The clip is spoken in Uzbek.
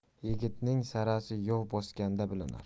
yigitning sarasi yov bosganda bilinar